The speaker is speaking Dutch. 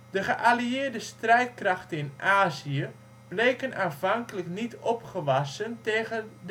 De geallieerde strijdkrachten in Azië bleken aanvankelijk niet opgewassen tegen